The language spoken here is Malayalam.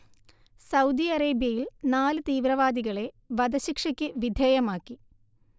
സൗദി അറേബ്യയിൽ നാല് തീവ്രവാദികളെ വധശിക്ഷയ്ക്ക് വിധേയമാക്കി